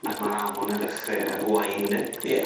Ac ma'r afon yn dechre y Gwaun de? Ie.